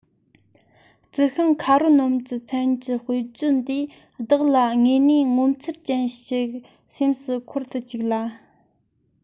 རྩི ཤིང ཁ རོ ནོམ གྱི ཚན གྱི དཔེར བརྗོད འདིས བདག ལ དངོས དོན ངོ མཚར ཅན ཞིག སེམས སུ འཁོར དུ བཅུག ལ